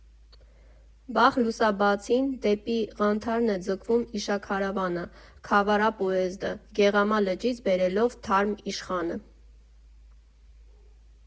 Վաղ լուսաբացին դեպի ղանթարն է ձգվում իշաքարավանը՝ «Քավառա պոեզդը», Գեղամա լճից բերելով թարմ իշխանը։